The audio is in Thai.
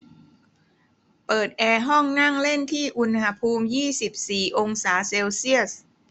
เปิดแอร์ห้องนั่งเล่นที่อุณหภูมิยี่สิบสี่องศาเซลเซียส